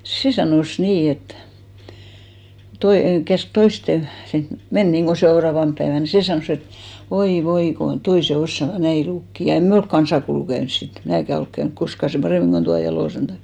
se sanoi niin että - käski toisten sinne mennä niin kuin seuraavana päivänä se sanoi että oi voi kun toiset osaavat näin lukea ja emme me ole kansakoulua käynyt sitten minäkään ole käynyt koskaan sen paremmin kuin tuo Jalosen Taimi